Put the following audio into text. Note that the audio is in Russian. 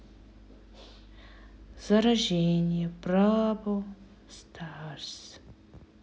сражение браво старс